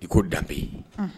I ko danbebe